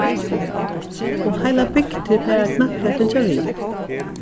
og heilar bygdir fara knappliga at fylgja við